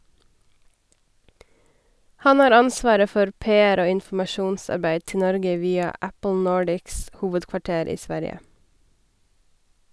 Han har ansvaret for PR- og informasjonsarbeid til Norge via Apple Nordics hovedkvarter i Sverige.